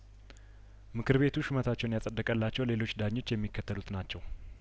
ምክር ቤቱ ሹመታቸውን ያጸደቀላቸው ሌሎች ዳኞች የሚከተሉት ናቸው